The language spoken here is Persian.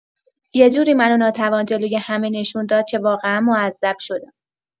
یه جوری منو ناتوان جلو همه نشون داد که واقعا معذب شدم.